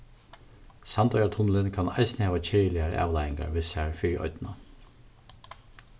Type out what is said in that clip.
sandoyartunnilin kann eisini hava keðiligar avleiðingar við sær fyri oynna